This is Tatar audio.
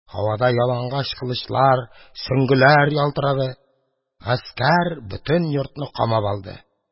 Һавада ялангач кылычлар, сөңгеләр ялтырады, гаскәр бөтен йортны камап алды.